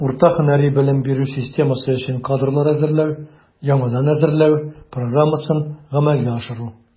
Урта һөнәри белем бирү системасы өчен кадрлар әзерләү (яңадан әзерләү) программасын гамәлгә ашыру.